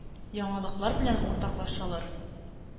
Яңалыклар белән уртаклашалар.